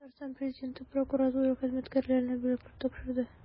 Татарстан Президенты прокуратура хезмәткәрләренә бүләкләр тапшырды.